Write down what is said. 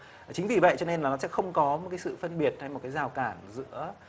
chính vì vậy cho nên là nó sẽ không có một sự phân biệt hay một cái rào cản giữa